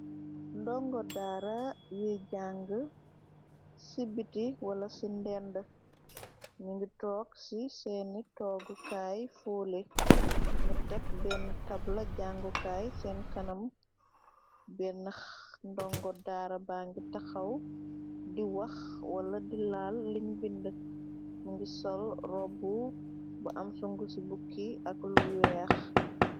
ndongo daara yu jang ci biti wala ci ndend, ni ngi toog ci seeni toogukaay foole ñu teg benn tabla jàngukaay seen kanam bnnah ndongo daara ba ngi taxaw di wax wala dilaal liñ bind mi ngi sol robbu bu am sung ci bukki ak lu weex.